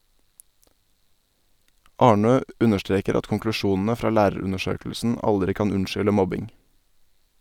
Arnø understreker at konklusjonene fra lærerundersøkelsen aldri kan unnskylde mobbing.